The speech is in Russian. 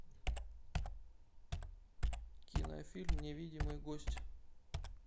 кинофильм невидимый гость